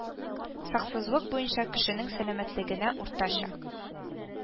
Саксызлык буенча кешенең сәламәтлегенә уртача